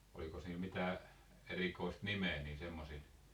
olikos niillä mitään erikoista nimeä niillä semmoisilla